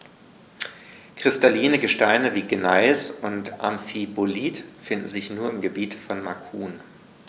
Kristalline Gesteine wie Gneis oder Amphibolit finden sich nur im Gebiet von Macun.